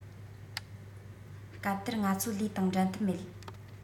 སྐབས དེར ང ཚོ ལས དང འགྲན ཐབས མེད